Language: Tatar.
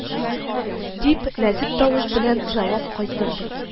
Дип, нәзек тавыш белән җавап кайтарды